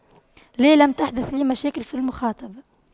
لا لم تحدث لي مشاكل في المخاطبة